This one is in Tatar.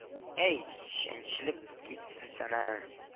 – әй, чәнчелеп китсенсәнә